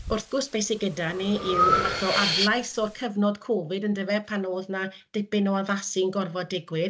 wrth gwrs be sy gyda ni yw rhyw fath o adlais o'r cyfnod Covid yndyfe pan oedd yna dipyn o addasu'n gorfod digwydd,